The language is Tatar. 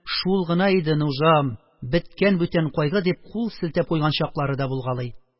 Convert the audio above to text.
«шул гына иде нужам! беткән бүтән кайгы», – дип, кул селтәп куйган чаклары да булгалый.